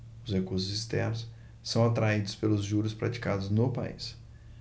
os recursos externos são atraídos pelos juros praticados no país